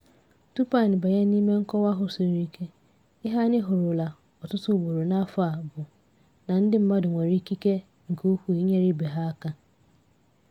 Tụpụ anyị abanye n'ime nkọwa ahụ siri ike, ihe anyị hụrụla ọtụtụ ugboro n'afọ a bụ na ndị mmadụ nwere ikike nke ukwuu inyere ibe ha aka.